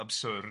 absurd